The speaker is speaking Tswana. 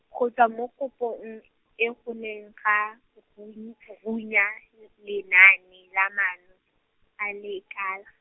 go tswa mo kopong, e go neng ga, , runya, l- lenaane la maano, a lekala.